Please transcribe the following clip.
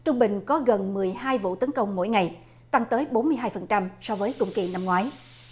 trung bình có gần mười hai vụ tấn công mỗi ngày tăng tới bốn mươi hai phần trăm so với cùng kỳ năm ngoái